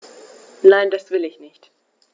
Nein, das will ich nicht.